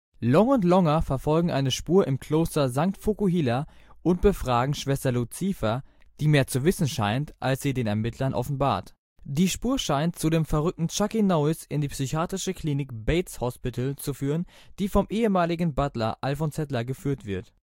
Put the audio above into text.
Long und Longer verfolgen eine Spur im Kloster St. Vokuhila und befragen Schwester Lucipha, die mehr zu wissen scheint, als sie den Ermittlern offenbart. Die Spur scheint zu dem verrückten Chucky Norris in die psychiatrische Klinik „ Bates Hospital “zu führen, die vom ehemaligen Butler Alfons Hatler geführt wird